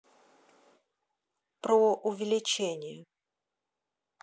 про увеличение